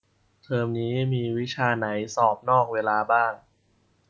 เทอมนี้มีวิชาไหนสอบนอกเวลาบ้าง